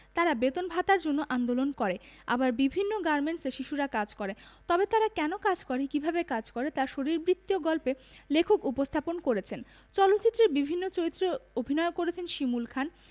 তারা বেতন ভাতার জন্য আন্দোলন করে আবার বিভিন্ন গার্মেন্টসে শিশুরা কাজ করে তবে তারা কেন কাজ করে কিভাবে কাজ করে তা শরীরবৃত্তীয় গল্পে লেখক উপস্থাপন করেছেন চলচ্চিত্রের বিভিন্ন চরিত্রে অভিনয় করেছেন শিমুল খান